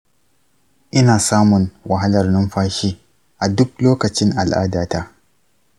ina samun wahalar numfashi a duk lokacin al’adata.